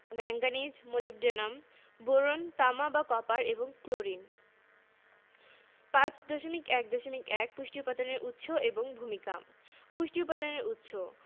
কোষবিভাজনের মাধ্যমে উদ্ভিদের বৃদ্ধি নিয়ন্ত্রণ করে পটাশিয়াম এটি মূল ফুল ও ফল উৎপাদন এবং বর্ধনেও সাহায্য করে ফসফরাস মূল বর্ধনের জন্য ফসফরাস অত্যন্ত প্রয়োজনীয় উপাদান ফসফরাস